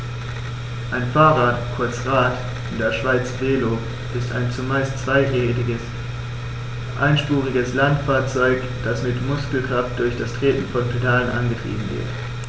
Ein Fahrrad, kurz Rad, in der Schweiz Velo, ist ein zumeist zweirädriges einspuriges Landfahrzeug, das mit Muskelkraft durch das Treten von Pedalen angetrieben wird.